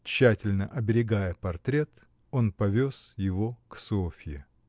Тщательно оберегая портрет, он повез его к Софье.